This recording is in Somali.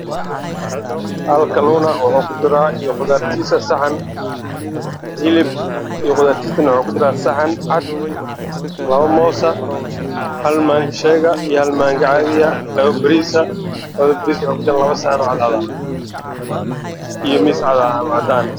Kal kaluun ah iyo qudaar tiisa waxey kujiran hal saxan ah